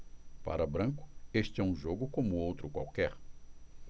para branco este é um jogo como outro qualquer